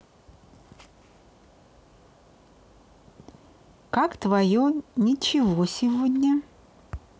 как твое ничего сегодня